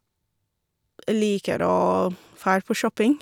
Liker å fær på shopping.